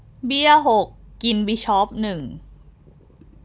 เบี้ยหกกินบิชอปหนึ่ง